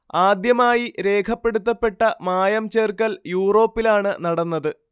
ആദ്യമായി രേഖപ്പെടുത്തപ്പെട്ട മായം ചേർക്കൽ യൂറോപ്പിലാണ് നടന്നത്